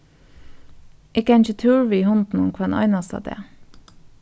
eg gangi túr við hundinum hvønn einasta dag